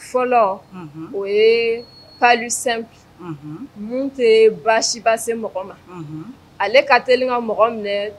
Fɔlɔ o ye pasen min tɛ baasisibasen mɔgɔ ma ale ka teli ka mɔgɔ minɛ